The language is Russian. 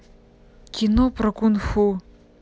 кино про кунг фу